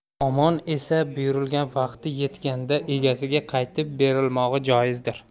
omonat esa buyurilgan vaqti yetganda egasiga qaytib berilmog'i joizdir